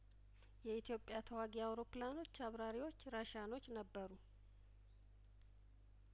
የኢትዮጵያ ተዋጊ አውሮፕላኖች አብራሪዎች ራሺያኖች ነበሩ